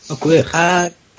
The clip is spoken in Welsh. Ma' gwych. A